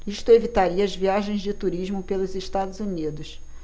isso evitaria as viagens de turismo pelos estados unidos